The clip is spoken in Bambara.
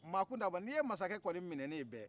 maa tun t'a bɔ nin ye masakɛ kɔni minɛlen ye bɛ